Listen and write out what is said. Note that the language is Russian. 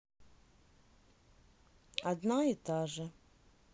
одна и та же